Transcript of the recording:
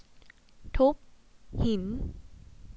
ทุบหิน